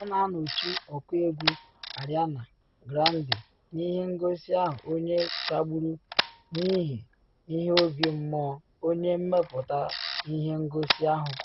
Ọ na anọchi ọkụegwu Ariana Grande n’ihe ngosi ahụ onye kagburu “n’ihi ihe obi mmụọ,” onye mmepụta ihe ngosi ahụ kwuru.